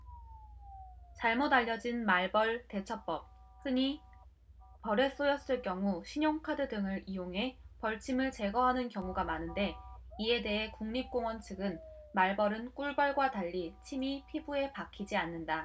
잘못 알려진 말벌 대처법흔히 벌에 쏘였을 경우 신용카드 등을 이용해 벌침을 제거하는 경우가 많은데 이에 대해 국립공원 측은 말벌은 꿀벌과 달리 침이 피부에 박히지 않는다